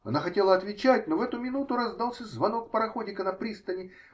Она хотела отвечать, но в эту минуту раздался звонок пароходика на пристани.